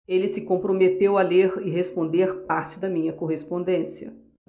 ele se comprometeu a ler e responder parte da minha correspondência